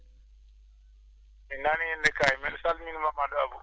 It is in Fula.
mi nanii nde kay mbiɗa salmina Mamdou Abou